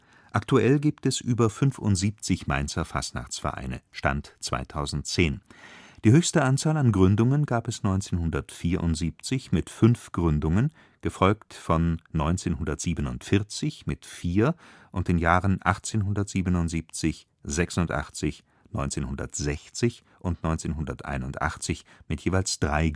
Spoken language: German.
Aktuell gibt es über 75 Mainzer Fastnachtsvereine (Stand: 2010). Die höchste Anzahl an Gründungen gab es 1974 mit fünf Gründungen gefolgt von 1947 mit vier und den Jahren 1877, 1886, 1960 und 1981 mit jeweils drei